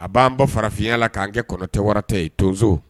A b'an bɔ farafinya la k'an kɛ kɔnɔtɛ wɛrɛ tɛ ye tonso